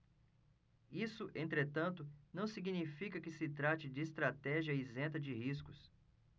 isso entretanto não significa que se trate de estratégia isenta de riscos